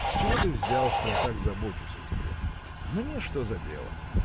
С чего ты взял, что я так забочусь о тебе? мне что за дело?